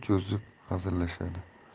qo'l cho'zib hazillashadi